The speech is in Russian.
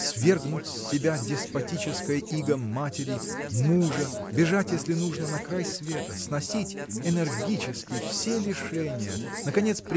свергнуть с себя деспотическое иго матери мужа бежать если нужно на край света сносить энергически все лишения наконец